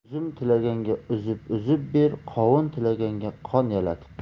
uzum tilaganga uzib uzib ber qovun tilaganga qon yalatib